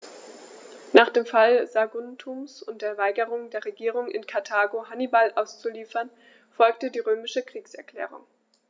Nach dem Fall Saguntums und der Weigerung der Regierung in Karthago, Hannibal auszuliefern, folgte die römische Kriegserklärung.